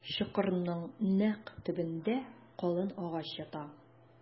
Чокырның нәкъ төбендә калын агач ята.